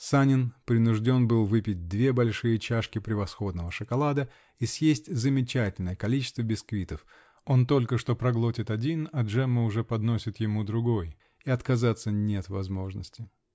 Санин принужден был выпить две большие чашки превосходного шоколада и съесть замечательное количество бисквитов: он только что проглотит один, а Джемма уже подносит ему другой -- и отказаться нет возможности!